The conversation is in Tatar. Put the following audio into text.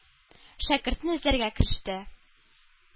Шәкертне эзләргә кереште.